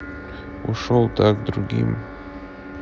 ушел да к другим